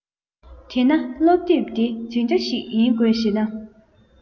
དེ ན སློབ དེབ དེ ཇི འདྲ ཞིག ཡིན དགོས ཞེ ན